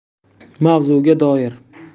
mavzuga doir